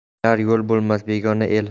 jar yo'l bo'lmas begona el